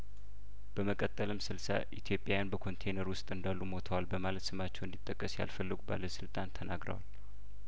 በመቀጠልም ስልሳ ኢትዮጵያን በኮንቴነር ውስጥ እንዳሉ ሞተዋል በማለት ስማቸው እንዲጠቀስ ያልፈለጉ ባለስልጣን ተናግረዋል